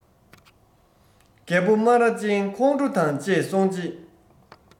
རྒད པོ སྨ ར ཅན ཁོང ཁྲོ དང བཅས སོང རྗེས